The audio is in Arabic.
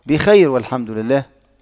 بخير والحمد لله